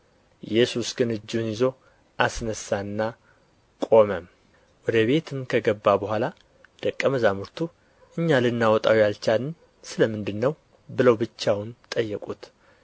ኢየሱስ ግን እጁን ይዞ አስነሣው ቆመም ወደ ቤትም ከገባ በኋላ ደቀ መዛሙርቱ እኛ ልናወጣው ያልቻልን ስለ ምንድር ነው ብለው ብቻውን ጠየቁት